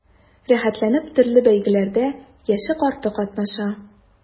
Рәхәтләнеп төрле бәйгеләрдә яше-карты катнаша.